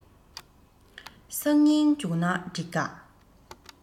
སང ཉིན བྱུང ན འགྲིག ག